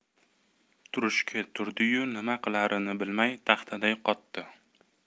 turishga turdi yu nima qilarini bilmay taxtaday kotdi